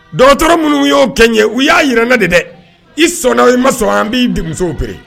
Do dɔgɔtɔrɔ minnu y'o kɛɲɛ u y'a jirana de dɛ i sɔnna i ma sɔn an b'i denmusoere